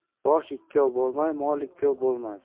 bosh ikkov bo'lmay mol ikkov bo'lmas